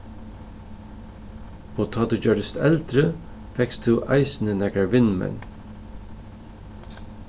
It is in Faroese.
og tá tú gjørdist eldri fekst tú eisini nakrar vinmenn